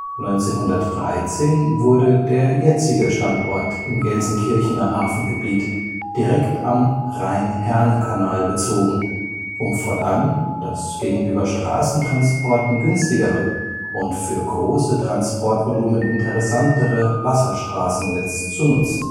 1913 wurde der jetzige Standort im Gelsenkirchener Hafengebiet direkt am Rhein-Herne-Kanal bezogen, um fortan das gegenüber Straßentransporten günstigere und für große Transportvolumen interessantere Wasserstraßennetz zu nutzen